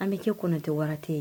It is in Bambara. An bɛ kɛ kɔnɔntɛwaratɛ ye